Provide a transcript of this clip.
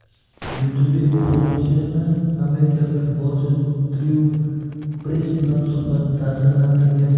youtubeboshlovchini amerikalik futbolchi dryu bris bilan suhbat ta'sirlantirgan